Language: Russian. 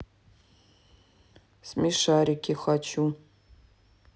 смешарики хочу